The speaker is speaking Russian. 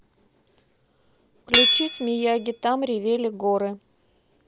включить мияги там ревели горы